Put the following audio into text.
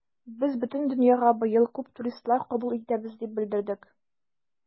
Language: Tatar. Без бөтен дөньяга быел күп туристлар кабул итәбез дип белдердек.